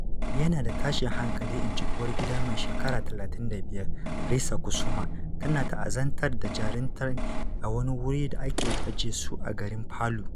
"Yana da tashin hankali," in ji uwargida mai shekaru 35, Risa Kusuma, tana ta'azantar da jaririnta a wani wuri da aka aje su a garin Palu.